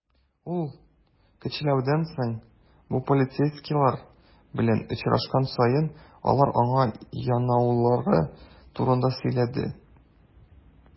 Ул, көчләүдән соң, бу полицейскийлар белән очрашкан саен, алар аңа янаулары турында сөйләде.